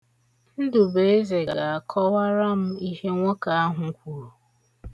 Ndụbụeze ga-akọwara m ihe nwoke ahụ kwụrụ.